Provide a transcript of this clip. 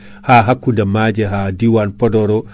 ha hakkude maaje ha diwan Podor o